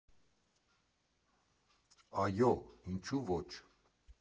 Այո՛, ինչու ոչ։